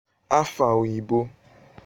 ahà oyìbo